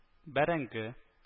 Бәрәңге